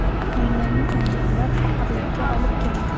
oilaviy janjallar faqirlikka olib keladi